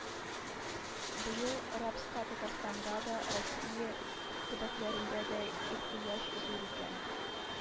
Быел рапска Татарстанда да, Россия төбәкләрендә дә ихтыяҗ зур икән